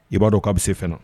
I b'a dɔn k' a bɛ se f na